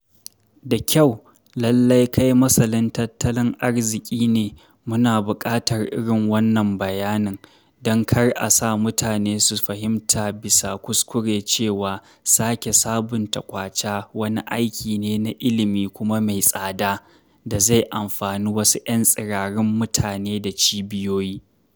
"Da kyau, lallai kai masanin tattalin arziƙi ne, muna buƙatar irin wannan bayanin, don kar a sa mutane su fahimta bisa kuskure cewa sake sabunta Kwacha wani aiki ne na ilimi kuma mai tsada, da zai amfani wasu ƴan tsirarun mutane da cibiyoyi."